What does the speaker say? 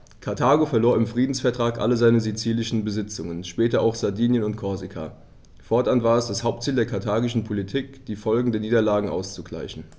Karthago verlor im Friedensvertrag alle seine sizilischen Besitzungen (später auch Sardinien und Korsika); fortan war es das Hauptziel der karthagischen Politik, die Folgen dieser Niederlage auszugleichen.